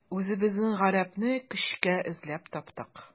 Үзебезнең гарәпне көчкә эзләп таптык.